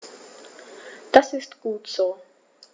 Das ist gut so.